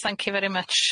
Thank you very much